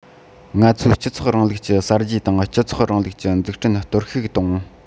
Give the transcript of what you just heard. ང ཚོའི སྤྱི ཚོགས རིང ལུགས ཀྱི གསར བརྗེ དང སྤྱི ཚོགས རིང ལུགས ཀྱི འཛུགས སྐྲུན གཏོར བཤིག གཏོང